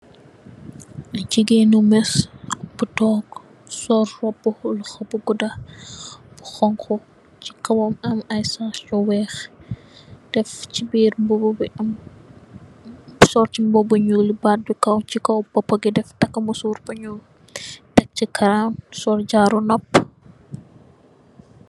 Jigeen ni miss bu tok sol robu bu loxo bi gudda bu xonxo. Ci kawam am ay sangket yu weex mu sol ci mboba bu ñuul baat bi ci kaw takka musoor bu nuul tek ci crown sol jarru nopu.